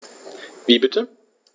Wie bitte?